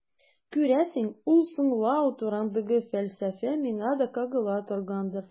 Күрәсең, ул «соңлау» турындагы фәлсәфә миңа да кагыла торгандыр.